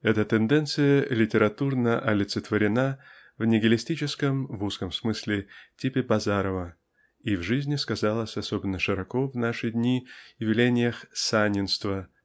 эта тенденция литературно олицетворена в нигилистическом (в узком смысле) типе Базарова и в жизни сказалась особенно широко в наши дни в явлениях "санинства"